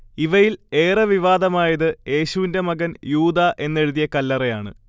ഇവയിൽഏറെ വിവാദമായത് യേശുവിന്റെ മകൻ യൂദാ എന്നെഴുതിയ കല്ലറയാണ്